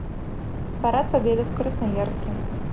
парад победы в красноярске